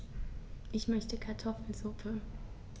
Ich möchte Kartoffelsuppe.